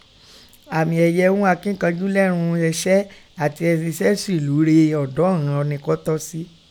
Àmìn ẹ̀yẹ̀ ún akínkanjú lẹ́run eṣẹ́ àti ẹ̀ṣiṣẹ́sílúú re ọ̀dọ̀ ìghọn ọni kọ́ tọ́ sí.